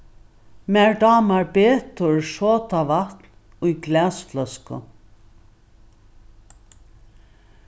mær dámar betur sodavatn í glasfløsku